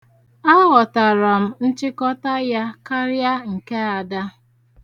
Aghọtara nchịkọta ya karịa nke Ada.